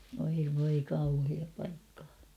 oi voi kauheaa paikkaa